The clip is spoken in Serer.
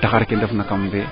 taxar ke ndefna kam fee